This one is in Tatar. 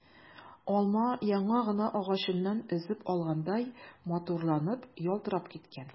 Алма яңа гына агачыннан өзеп алгандай матурланып, ялтырап киткән.